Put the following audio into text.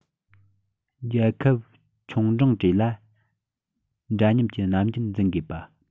རྒྱལ ཁབ ཆུང འབྲིང གྲས ལ འདྲ མཉམ གྱི རྣམ འགྱུར འཛིན དགོས པ